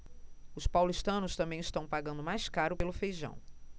os paulistanos também estão pagando mais caro pelo feijão